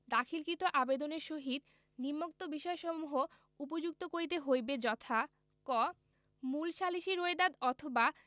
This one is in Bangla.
দাখিলকৃত আবেদনের সহিত নিম্নোক্ত বিষয়সমূহ সংযুক্ত করিতে হইবে যথা ক মূল সালিসী রোয়েদাদ অথবা